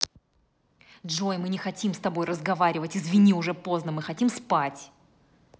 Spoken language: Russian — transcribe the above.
джой мы не хотим с тобой разговаривать извини уже поздно мы хотим спать